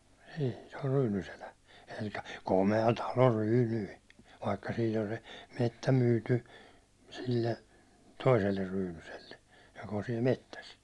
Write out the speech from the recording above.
siihen se on Ryynyselä eli komea talo Ryyny vaikka siitä on se metsä myyty sille toiselle Ryynyselle joka on siellä metsässä